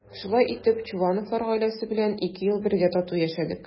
Шулай итеп Чувановлар гаиләсе белән ике ел бергә тату яшәдек.